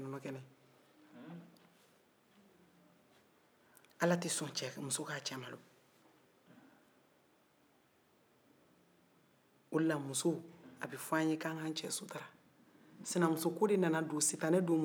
o de la a bɛ fo musow ye k'u ka u cɛ sutara sinamusoko de nana sitanɛ don muso la